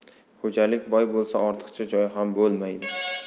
xo'jalik boy bo'lsa ortiqcha joy ham bo'lmaydi